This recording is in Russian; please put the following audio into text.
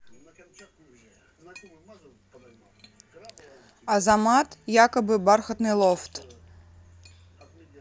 азамат якобы бархатный лофт